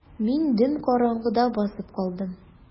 Мин дөм караңгыда басып калдым.